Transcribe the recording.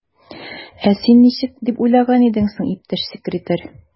Ә син ничек дип уйлаган идең соң, иптәш секретарь?